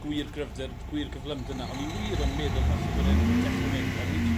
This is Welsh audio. gwir gryfder gwir gyflymder 'na. O'n i wir yn meddwl falle bod e'n dechre mynd ond ni 'di